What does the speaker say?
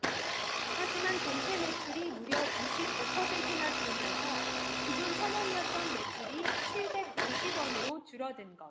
하지만 전체 매출이 무려 이십 오 퍼센트나 줄면서 기존 천 원이었던 매출이 칠백 오십 원으로 줄어든 것